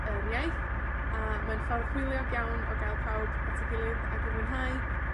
yr iaith, a mae'n ffordd hwyliog iawn o gael pawb at 'i gilydd ag i fwynhau,